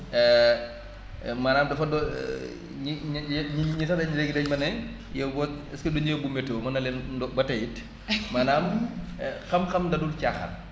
maanaam dafa ñi ñi nit ñi sax dañ léegi dañ ma ne yow boo est ce que duñ yóbbu météo ma ne leen ndo ba tay it maanaam xam-xam dadul caaxaan